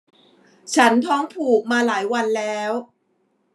ฉันท้องผูกมาหลายวันแล้ว